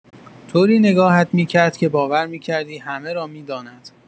طوری نگاهت می‌کرد که باور می‌کردی همه را می‌داند!